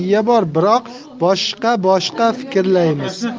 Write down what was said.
miya bor biroq boshqaboshqa fikrlaymiz